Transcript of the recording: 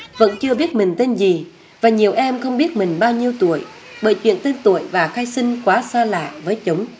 vẫn chưa biết mình tên gì và nhiều em không biết mình bao nhiêu tuổi bởi chuyện tên tuổi và khai sinh quá xa lạ với chúng